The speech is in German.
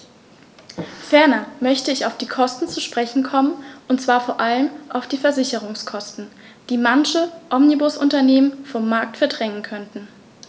Ferner möchte ich auf die Kosten zu sprechen kommen, und zwar vor allem auf die Versicherungskosten, die manche Omnibusunternehmen vom Markt verdrängen könnten.